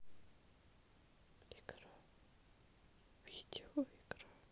игра видео игра